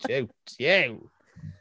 Jiw jiw!